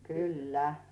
kyllä